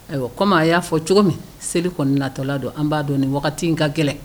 Ayiwa komi a y'a fɔ cogo min seli kɔni natɔla don an b'a dɔn nin wagati in ka gɛlɛn